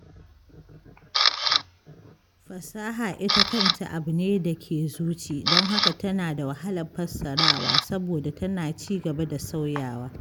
Fasaha ita kanta abu ne da ke zuci don haka tana da wahalar fassarawa saboda tana ci gaba da sauyawa.